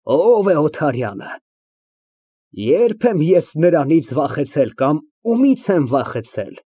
Ո՞վ է ՕթարյանըԵ՞րբ եմ ես նրանից վախեցել կամ ումի՞ց եմ վախեցել։